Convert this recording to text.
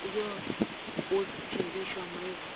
yo o'z kuchingga ishonmay